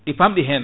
ɗi pamɗi hen